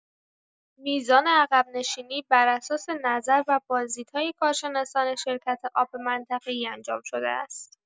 میزان عقب‌نشینی براساس نظر و بازدیدهای کارشناسان شرکت آب منطقه‌ای انجام شده است.